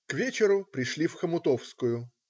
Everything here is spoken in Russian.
К вечеру пришли в Хомутовскую.